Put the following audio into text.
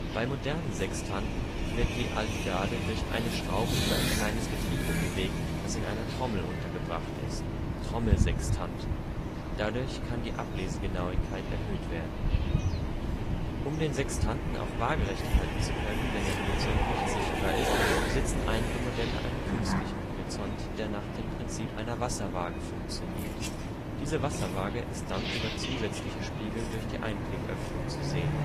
Bei modernen Sextanten wird die Alhidade durch eine Schraube über ein kleines Getriebe bewegt, das in einer Trommel untergebracht ist (Trommelsextant). Dadurch kann die Ablesegenauigkeit erhöht werden Um den Sextanten auch waagerecht halten zu können, wenn der Horizont nicht sichtbar ist, besitzen einige Modelle einen künstlichen Horizont, der nach dem Prinzip einer Wasserwaage funktioniert. Diese Wasserwaage ist dann über zusätzliche Spiegel durch die Einblicköffnung zu sehen